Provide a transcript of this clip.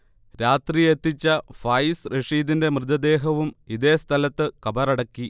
രാത്രി എത്തിച്ച ഫായിസ് റഷീദിന്റെ മൃതദേഹവും ഇതേസ്ഥലത്ത് കബറടക്കി